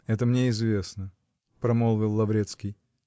-- Это мне известно, -- промолвил Лаврецкий.